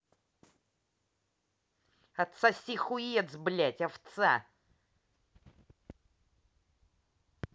отсоси хуец блять овца